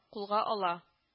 Кудга ала